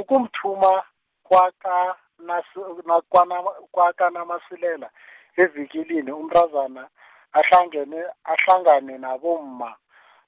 ukumthuma, kwaka- nasi- ubo- nakwana- kwa- kwakaNaMasilela , evikilini umntazana , ahlangene, ahlangane nabomma ,